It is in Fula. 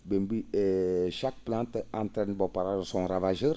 ?e mbiyi e chaque plante entraine son ravageurs